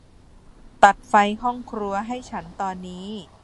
ตัดไฟห้องครัวให้ฉันตอนนี้